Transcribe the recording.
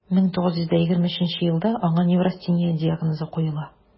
1923 елда аңа неврастения диагнозы куела: